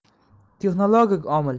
texnologik omil